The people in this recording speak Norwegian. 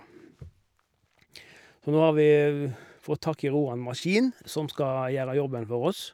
Så nå har vi fått tak i Roan Maskin, som skal gjøre jobben for oss.